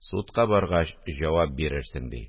Судка баргач җавап бирерсең, – ди